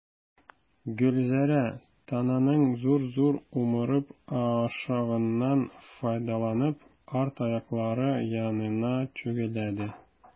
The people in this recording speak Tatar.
Гөлзәрә, тананың зур-зур умырып ашавыннан файдаланып, арт аяклары янына чүгәләде.